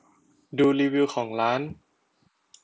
ดูรีวิวของร้าน